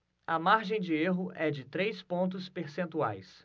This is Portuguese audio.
a margem de erro é de três pontos percentuais